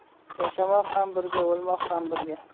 yashamoq ham birga o'lmoq ham birga